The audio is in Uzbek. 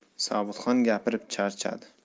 sobitxon gapirib charchadi